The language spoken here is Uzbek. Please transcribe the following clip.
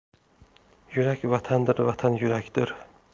yurak vatandir vatan yurakdir